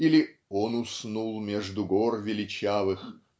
или "он уснул между гор величавых